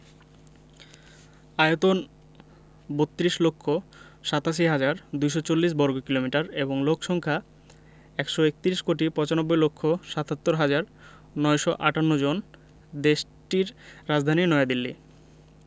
আয়তন ৩২ লক্ষ ৮৭ হাজার ২৪০ বর্গ কিমি এবং লোক সংখ্যা ১৩১ কোটি ৯৫ লক্ষ ৭৭ হাজার ৯৫৮ জন দেশটির রাজধানী নয়াদিল্লী